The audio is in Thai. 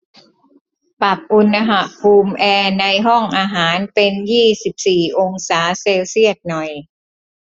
ปรับอุณหภูมิแอร์ในห้องอาหารเป็นยี่สิบสี่องศาเซลเซียสหน่อย